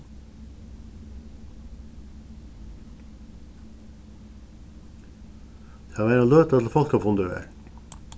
tað var ein løta til fólkafundur var